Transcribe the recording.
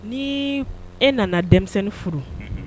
Ni e nana denmisɛnnin furu .